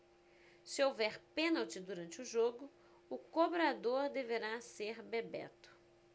se houver pênalti durante o jogo o cobrador deverá ser bebeto